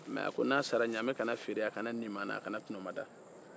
mɛ a ko n'a sara ɲamɛ kana ffeere a kana ni maana a kan tɔnɔmada